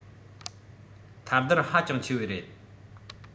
ཐལ རྡུལ ཧ ཅང ཆེ བའི རེད